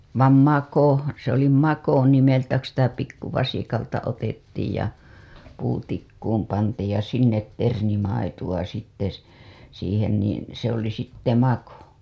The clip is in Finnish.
vaan mako se oli mako nimeltä kun sitä pikkuvasikalta otettiin ja puutikkuun pantiin ja sinne ternimaitoa sitten - siihen niin se oli sitten mako